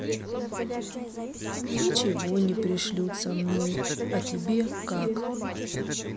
ничего не пришлют со мной о тебе как